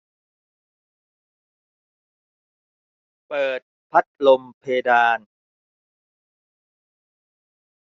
เปิดพัดลมเพดาน